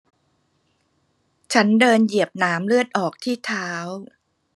ฉันเดินเหยียบหนามเลือดออกที่เท้า